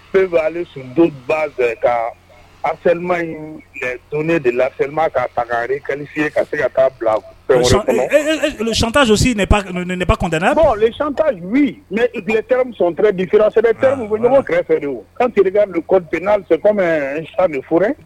Pe ale sunjatado base ka alima in donnen de lama ka tagari kasiye ka se ka taa bilatasosi ba kunɛnɛnta mɛleteɛrɛ kɛrɛfɛsɛri ka kite niur